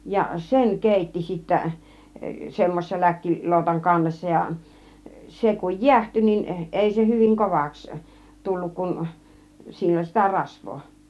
ja sen keitti sitten semmoisen - läkkiloutan kannessa ja se kun jäähtyi niin ei se hyvin kovaksi tullut kun sillä oli sitä rasvaa